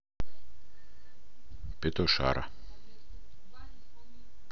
петушара